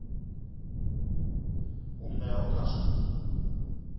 умная алкашка